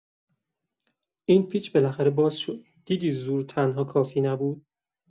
این پیچ بالاخره باز شد، دیدی زور تنها کافی نبود؟